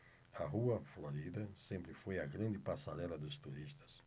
a rua florida sempre foi a grande passarela dos turistas